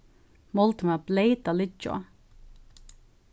moldin var bleyt at liggja á